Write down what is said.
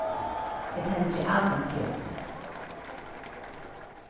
eg tendri adventsljósið